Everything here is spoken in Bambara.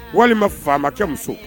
Walima faama kɛ muso.